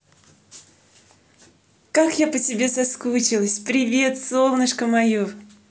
как я по тебе соскучилась привет солнышко мое